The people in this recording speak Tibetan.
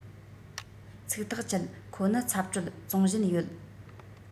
ཚིག ཐག བཅད ཁོ ནི ཚབ སྤྲོད བཙོང བཞིན ཡོད